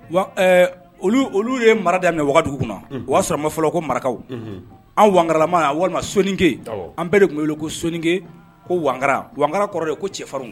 Wa olu ye marada minɛ wagadugu kunna o y'a sɔrɔ ma fɔlɔ ko marakaw an wkarama walima sɔnikɛ an bɛɛ de tun' ko sonikɛ ko wkara wkaana kɔrɔ de ye ko cɛfarinw